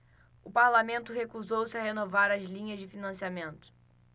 o parlamento recusou-se a renovar as linhas de financiamento